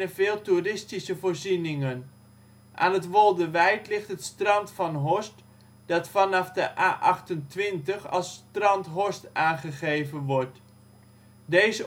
veel toeristische voorzieningen. Aan het Wolderwijd ligt het strand van Horst, dat vanaf de A28 (afrit 11), als Strand Horst aangegeven wordt. 52°